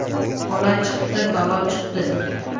ola chiqdi balo chiqdi